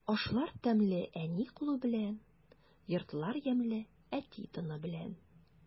Ашлар тәмле әни кулы белән, йортлар ямьле әти тыны белән.